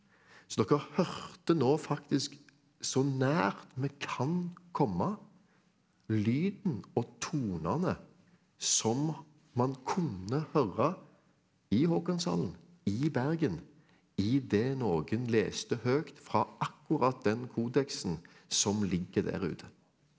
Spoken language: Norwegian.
så dere hørte nå faktisk så nært vi kan komme lyden og tonene som man kunne høre i Håkonshallen i Bergen i det noen leste høgt fra akkurat den kodeksen som ligger der ute.